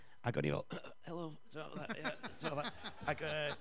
Ac o'n i fel hello timod fatha ia tibod fatha